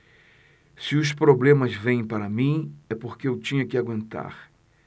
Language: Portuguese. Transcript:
se os problemas vêm para mim é porque eu tinha que aguentar